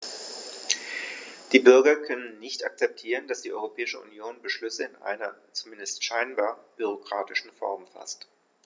Die Bürger können nicht akzeptieren, dass die Europäische Union Beschlüsse in einer, zumindest scheinbar, bürokratischen Form faßt.